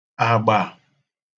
àgbà